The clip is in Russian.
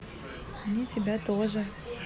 мне тебя тоже